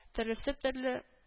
Төрлесе төрле